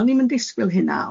O'n i'm yn disgwyl hynna.